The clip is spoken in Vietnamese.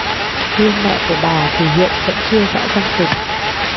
riêng mẹ của bà thì hiện vẫn chưa rõ danh tính